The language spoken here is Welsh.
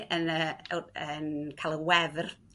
yym 'da ni yn yym ca'l y wefr